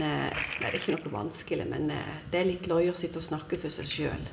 Nei, det er ikke noe vanskelig, men det er litt løye å sitte og snakke for seg sjøl.